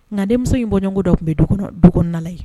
Nkadenmuso in bɔɲɔgɔngo dɔ tun bɛ du du kɔnɔna ye